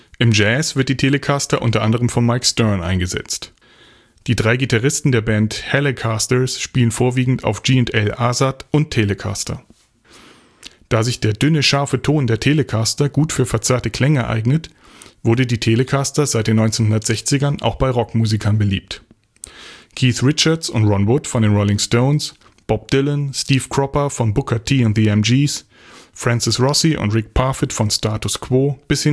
Jazz wird die Telecaster unter anderem von Mike Stern eingesetzt. Die drei Gitarristen der Band Hellecasters spielen vorwiegend auf G&L-ASAT und Telecaster. Da sich der dünne, scharfe Ton der Telecaster gut für verzerrte Klänge eignet, wurde die Telecaster seit den 1960ern auch bei Rockmusikern beliebt. Keith Richards und Ron Wood von den Rolling Stones, Bob Dylan, Steve Cropper von Booker T. & the M.G.’ s, Francis Rossi und Rick Parfitt von Status Quo bis